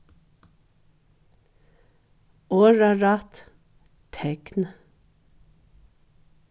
orðarætt tekn